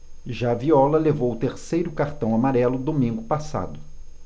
já viola levou o terceiro cartão amarelo domingo passado